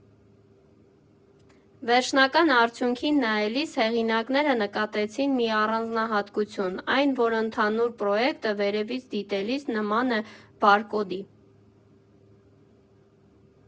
Վերջնական արդյունքին նայելիս, հեղինակները նկատեցին մի առանձնահատկություն, այն, որ ընդհանուր պրոեկտը վերևից դիտելիս նման է բարկոդի։